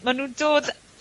ma' nw'n dod